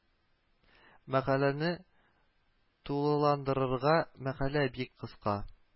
Мәкаләне тулыландырырга мәкалә бик кыска